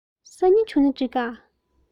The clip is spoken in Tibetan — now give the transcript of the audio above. སང ཉིན བྱུང ན འགྲིག ག